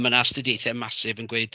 Ma 'na astudiaethau massive yn gweud...